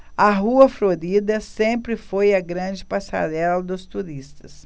a rua florida sempre foi a grande passarela dos turistas